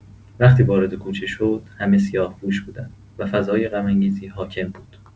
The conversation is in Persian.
وقتی وارد کوچه شد، همه سیاه‌پوش بودند و فضای غم‌انگیزی حاکم بود.